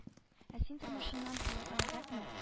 Ә син тормышыңнан тулы канәгатьме